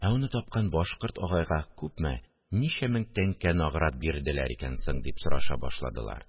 Ә аны тапкан башкорт агайга күпме, ничә мең тәңкә награт бирделәр икән соң? – дип сораша башладылар